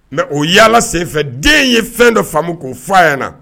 Mɛ o yaala senfɛ den ye fɛn dɔ faamumu k'o fɔyana